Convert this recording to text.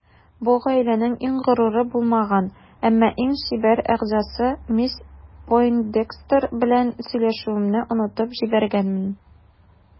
Бу гаиләнең иң горуры булмаган, әмма иң чибәр әгъзасы мисс Пойндекстер белән сөйләшүемне онытып җибәргәнмен.